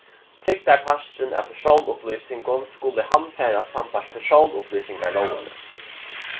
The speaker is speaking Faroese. trygdarparturin av persónsupplýsingum skulu handfarast sambært persónsupplýsingarlógini